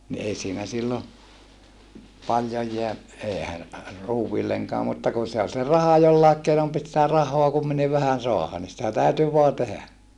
niin ei siinä silloin paljon jää eihän ruuillekaan mutta kun se oli se raha jollakin keinoin piti sitä rahaa kumminkin vähän saada niin sitä täytyi vain tehdä